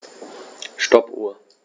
Stoppuhr.